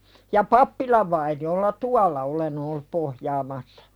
ja pappilan vainiolla tuolla olen ollut pohjaamassa